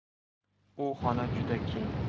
u xona juda keng